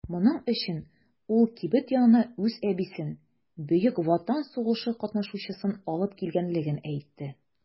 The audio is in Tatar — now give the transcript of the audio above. Моның өчен ул кибет янына үз әбисен - Бөек Ватан сугышы катнашучысын алып килгәнлеген әйтте.